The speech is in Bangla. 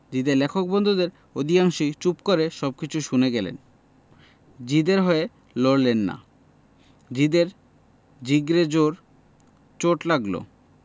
জিদের লেখক বন্ধুদের অধিকাংশই চুপ করে সবকিছু শুনে গেলেন জিদে র হয়ে লড়লেন না জিদের জিগরে জোর চোট লাগল